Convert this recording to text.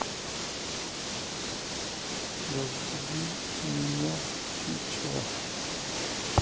разбуди меня сейчас